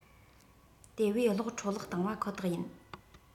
དེ བས གློག འཕྲོ བརླག གཏོང བ ཁོ ཐག ཡིན